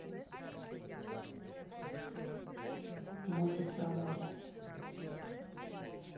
мультик про море